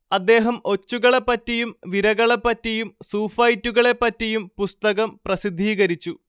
അദ്ദേഹം ഒച്ചുകളെപ്പറ്റിയും വിരകളെപ്പറ്റിയും സൂഫൈറ്റുകളെപ്പറ്റിയും പുസ്തകം പ്രസിദ്ധീകരിച്ചു